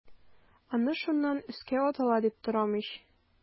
Аны шуннан өскә атыла дип торам ич.